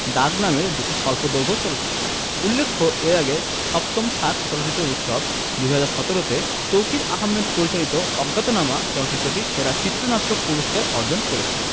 দাগ নামের দুটি স্বল্পদৈর্ঘ চলচ্চিত্র উল্লেখ্য এর আগে ৭ম সার্ক চলচ্চিত্র উৎসব ২০১৭ তে তৌকীর আহমেদ পরিচালিত অজ্ঞাতনামা চলচ্চিত্রটি সেরা চিত্রনাট্য পুরস্কার অর্জন করেছিল